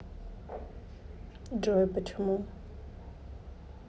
джой почему